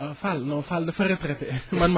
ah Fall non Fall dafa retraité man